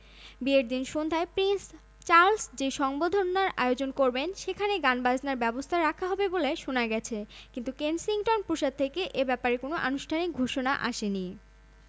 মধুচন্দ্রিমা রাজপরিবারের সদস্য বলে প্রিন্স হ্যারি আর মেগান মার্কেলের বিয়ের অনুষ্ঠান বিশ্বের অনেক দেশ থেকেই সরাসরি দেখা যাবে বিয়ের অনুষ্ঠান পাবলিক হয়ে গেলেও মধুচন্দ্রিমা যথাসম্ভব গোপনেই সারবেন মেগান হ্যারি